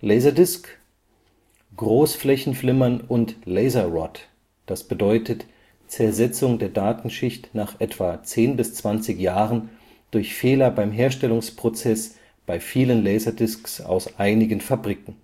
LD: Großflächenflimmern und „ laser rot “(Zersetzung der Datenschicht nach ca. 10 – 20 Jahren durch Fehler beim Herstellungsprozess bei vielen Laserdiscs aus einigen Fabriken